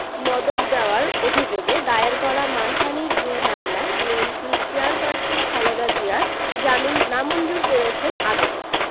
মদদ দেওয়ার অভিযোগে দায়ের করা মানহানির দুই মামলায় বিএনপির চেয়ারপারসন খালেদা জিয়ার জামিন নামঞ্জুর করেছেন আদালত